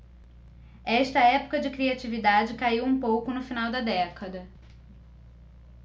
esta época de criatividade caiu um pouco no final da década